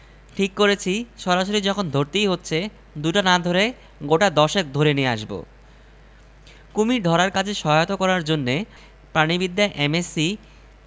এই টেলিগ্রামের অর্থ সিদ্দিক সাহেব কিছুই বুঝলেন না আর্টিস্ট কামিং মানে কি হওয়া উচিত ক্রোকোডাইল কামিং. স্থানীয় কলেজের ইংরেজীর অধ্যাপককে অর্থ উদ্ধারের জন্য দেয়া হল